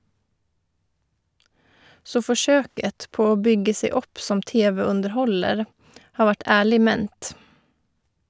Så forsøket på å bygge seg opp som TV-underholder har vært ærlig ment.